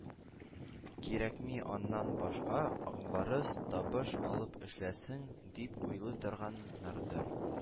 Кирәкми, аннан башка “акбарыс” табыш алып эшләсен, дип уйлый торганнардыр